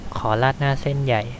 ขอราดหน้าเส้นใหญ่